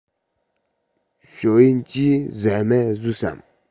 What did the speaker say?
ཞའོ ཡན གྱིས ཟ མ ཟོས ཡོད དམ